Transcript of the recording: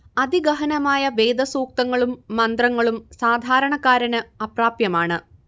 അതിഗഹനമായ വേദസൂക്തങ്ങളും മന്ത്രങ്ങളും സാധാരണക്കാരന് അപ്രാപ്യമാണ്